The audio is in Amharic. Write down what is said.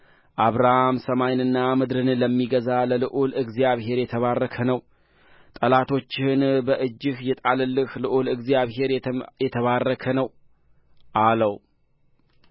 አብራም ሰማይንና ምድርን ለሚገዛ ለልዑል እግዚአብሔር የተባረከ ነው ጠላቶችህን በእጅህ የጣለልህ ልዑል እግዚአብሔርም የተባረከ ነው አለው